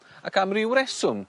Ac am ryw reswm